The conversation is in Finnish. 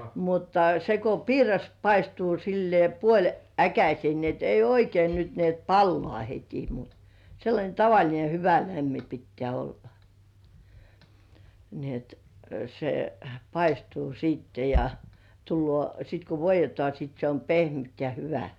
mutta se kun piiras paistuu sillä lailla puoliäkäiseen niin että ei oikein nyt niin että palaa heti mutta sellainen tavallinen hyvä lämmin pitää olla niin että se paistuu sitten ja tulee sitten kun voidetaan sitten se on pehmyt ja hyvä